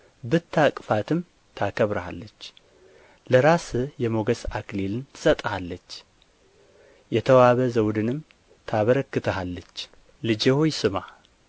ብታቅፋትም ታከብርሃለች ለራስህ የሞገስ አክሊልን ትሰጥሃለች የተዋበ ዘውድንም ታበረክትሃለች ልጄ ሆይ ስማ